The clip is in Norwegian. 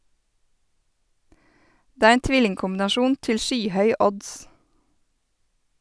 Det er en tvillingkombinasjon til skyhøy odds.